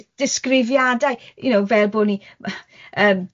Disgrifiadau, you know, fel bo' ni yy yym